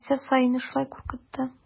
Нәрсә саине шулай куркытты?